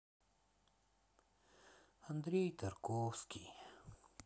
андрей тарковский